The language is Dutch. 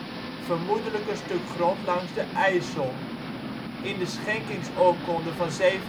vermoedelijk een stuk grond langs de IJssel. In de schenkingsoorkonde van 794